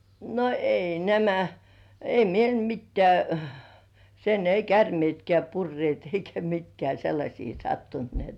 no ei nämä ei meillä mitään sen ei käärmeetkään purreet eikä mitkään sellaisia sattunut niin että